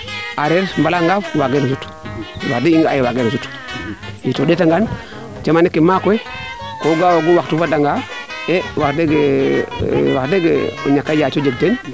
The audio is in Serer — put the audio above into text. areer wala ngaaf wagiran o sut wax deg wagiran o sut to o ndeeta ngaan camano ke maak we ko ga oogu waxtu fada nga wax degwax deg o ñaka a yyaco jeg teenn